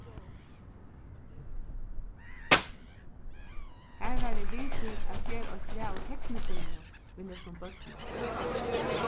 har var eg við til at gera eitt slag av teknifilmi við nøkrum børnum